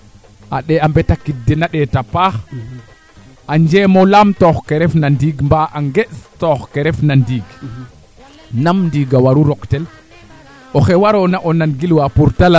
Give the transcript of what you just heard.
xano limbaa ye im njufana nga kaana xanj kaana kaana xana yaqoox a waaga mbisong sax bo o fi keena leyel ñaka dis ñaka lestek